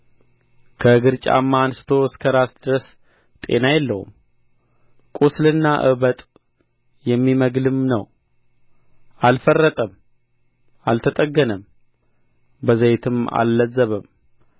ከእግር ጫማ አንስቶ እስከ ራስ ድረስ ጤና የለውም ቍስልና እበጥ የሚመግልም ነው አልፈረጠም አልተጠገነም በዘይትም አልለዘበም